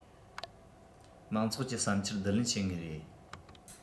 མང ཚོགས ཀྱི བསམ འཆར བསྡུ ལེན བྱེད ངེས རེད